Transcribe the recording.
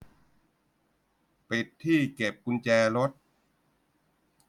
ปิดที่เก็บกุญแจรถ